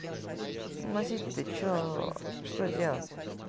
наносить то чего что делать